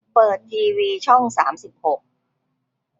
เปิดทีวีช่องสามสิบหก